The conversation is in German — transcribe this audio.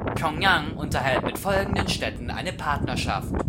Pjöngjang unterhält mit folgenden Städten eine Partnerschaft